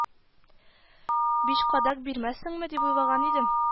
– биш кадак бирмәссеңме дип уйлаган идем